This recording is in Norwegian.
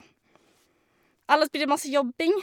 Ellers blir det masse jobbing.